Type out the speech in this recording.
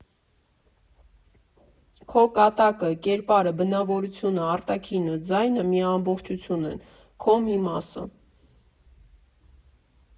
Քո կատակը, կերպարը, բնավորությունը, արտաքինը, ձայնը մի ամբողջություն են, քո մի մասը։